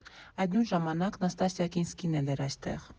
Այդ նույն ժամանակ Նաստասիա Կինսկին էլ էր այստեղ։